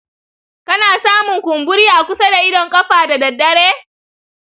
kana samun kumburi a kusa da idon ƙafa da daddare?